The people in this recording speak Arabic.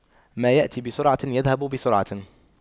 ما يأتي بسرعة يذهب بسرعة